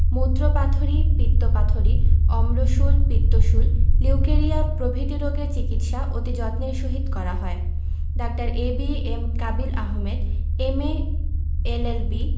মুত্রপাথড়ী পিত্তপাথড়ী অম্লশূল পিত্তশূল লিউকেরিয়া প্রভৃতি রোগের চিকিৎসা অতি যত্নের সহিত করা হয় ডাঃ A B M Kabil Ahmed M A L L B